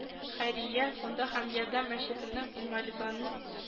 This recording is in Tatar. Хәйрия фонды һәм “ярдәм” мәчетенең инвалидларны